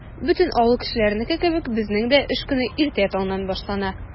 Бөтен авыл кешеләренеке кебек, безнең дә эш көне иртә таңнан башлана.